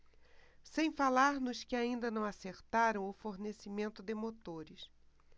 sem falar nos que ainda não acertaram o fornecimento de motores